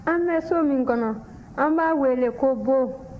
an bɛ so min kɔnɔ an b'a wele ko bon